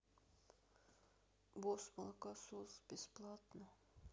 босс молокосос бесплатно